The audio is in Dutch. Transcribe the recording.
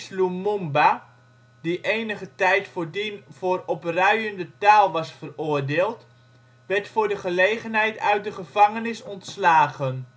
Lumumba, die enige tijd voordien voor opruiende taal was veroordeeld, werd voor de gelegenheid uit de gevangenis ontslagen